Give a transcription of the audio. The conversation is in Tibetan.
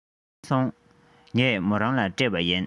བྱུང སོང ངས མོ རང ལ སྤྲད པ ཡིན